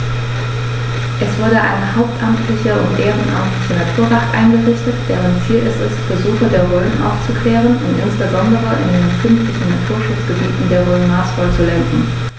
Es wurde eine hauptamtliche und ehrenamtliche Naturwacht eingerichtet, deren Ziel es ist, Besucher der Rhön aufzuklären und insbesondere in den empfindlichen Naturschutzgebieten der Rhön maßvoll zu lenken.